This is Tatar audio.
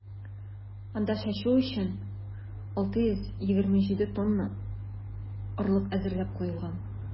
Анда чәчү өчен 627 тонна орлык әзерләп куелган.